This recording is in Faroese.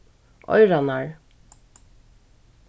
oyrarnar